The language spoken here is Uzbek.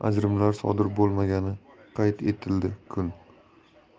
o'rtasida ajrimlar sodir bo'lmagani qayd etildi kun